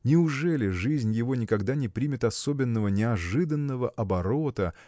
Неужели жизнь его никогда не примет особенного неожиданного оборота